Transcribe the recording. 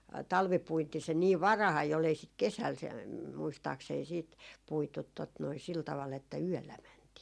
talvipuinti se niin varhain oli ei sitä kesällä - muistaakseni sitten puitu tuota noin sillä tavalla että yöllä mentiin